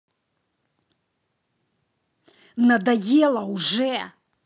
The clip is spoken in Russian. надоело уже